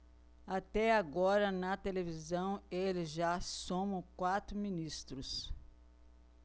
até agora na televisão eles já somam quatro ministros